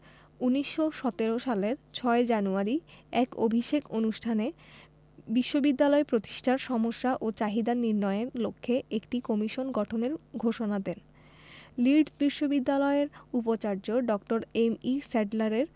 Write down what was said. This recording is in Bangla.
১৯১৭ সালের ৬ জানুয়ারি এক অভিষেক অনুষ্ঠানে বিশ্ববিদ্যালয় প্রতিষ্ঠার সমস্যা ও চাহিদা নির্ণয়ের লক্ষ্যে একটি কমিশন গঠনের ঘোষণা দেন লিড্স বিশ্ববিদ্যালয়ের উপাচার্য ড. এম.ই স্যাডলারের